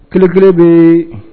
Kɛlɛ kelen bɛ